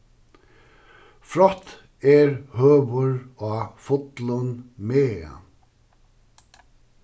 frótt er høvur á fullum maga